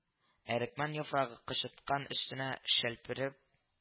Әрекмән яфрагы кычыткан өстенә шәлпереп